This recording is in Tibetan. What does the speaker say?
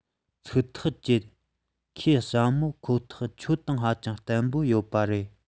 ཚིག ཐག བཅད ཁོས ཞྭ མོ ཁོ ཐག ཁྱེད དང ཧ ཅང བརྟན པོ ཡོད པ རེད